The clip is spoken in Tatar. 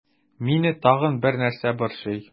Мине тагын бер нәрсә борчый.